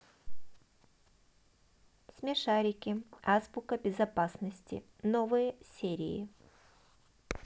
смешарики азбука безопасности новые серии